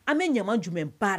An bɛ ɲama jumɛn baara